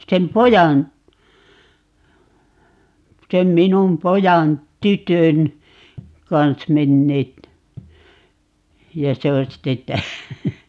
sen pojan sen minun pojan tytön kanssa menneet ja se on sitten -